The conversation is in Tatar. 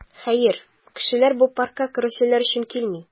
Хәер, кешеләр бу паркка карусельләр өчен килми.